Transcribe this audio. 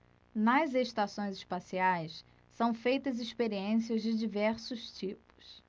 nas estações espaciais são feitas experiências de diversos tipos